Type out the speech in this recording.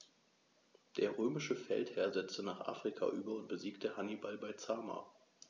Der römische Feldherr setzte nach Afrika über und besiegte Hannibal bei Zama.